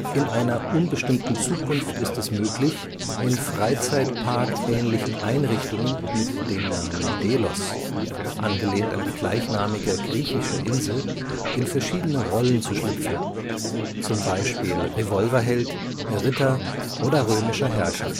In einer unbestimmten Zukunft ist es möglich, in freizeitparkähnlichen Einrichtungen mit dem Namen Delos (angelehnt an die gleichnamige griechische Insel) in verschiedene Rollen zu schlüpfen, z. B. Revolverheld, Ritter oder römischer Herrscher